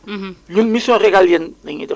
romb valllée morte bi quoi moo dem ba Ndiob